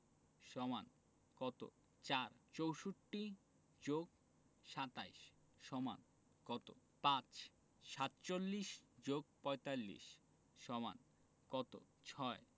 = কত ৪ ৬৪ + ২৭ = কত ৫ ৪৭ + ৪৫ = কত ৬